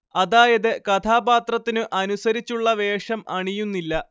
അതായത് കഥാപാത്രത്തിനു അനുസരിച്ചുള്ള വേഷം അണിയുന്നില്ല